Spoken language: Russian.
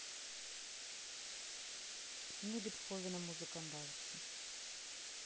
мне бетховеном музыка нравится